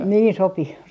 niin sopi